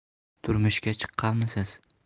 turmushga chiqqanmisiz